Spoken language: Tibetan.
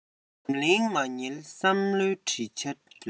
འཛམ གླིང མ བསྙེལ བསམ བློའི བྲིས བྱ མཛོད